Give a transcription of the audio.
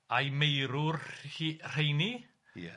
Ai meirwr rhi- rheini? Ia.